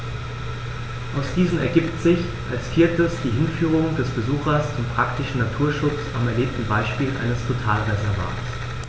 Aus diesen ergibt sich als viertes die Hinführung des Besuchers zum praktischen Naturschutz am erlebten Beispiel eines Totalreservats.